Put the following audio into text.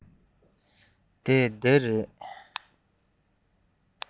འདི དེབ རེད